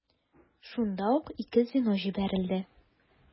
Шунда ук ике звено җибәрелде.